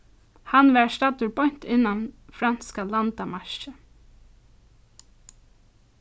hann var staddur beint innan franska landamarkið